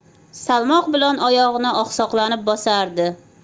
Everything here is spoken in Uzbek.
salmoq bilan oyog'ini oqsoqlanib bosardi